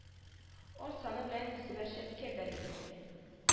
Арт саны белән зөбәрҗәткә бәрелеп китә